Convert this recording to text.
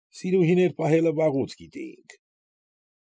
Սիրուհիներ պահելը վաղուց գիտեինք։